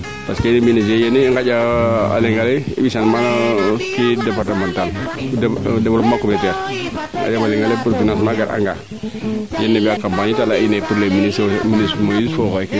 parce que mene GIE ne i nganja a leŋale i mbisan mana departementale developpement communautaire ai ngaƴo leŋole pour financement gar angaa yee i mbiya campagne it a ley'a ine pour